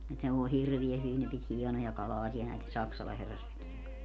et ne voi hirveän hyvin ne piti hienoja kalaaseja näiden Saksalan herrasväkien kanssa